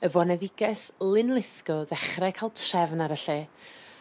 y foneddiges Lynne Lithgow ddechre ca'l trefn ar y lle.